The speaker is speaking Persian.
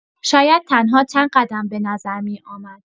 شاید تنها چند قدم به نظر می‌آمد.